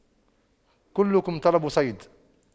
كلكم طلب صيد